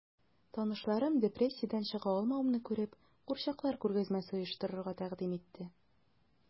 Танышларым, депрессиядән чыга алмавымны күреп, курчаклар күргәзмәсе оештырырга тәкъдим итте...